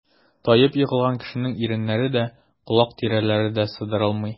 Таеп егылган кешенең иреннәре дә, колак тирәләре дә сыдырылмый.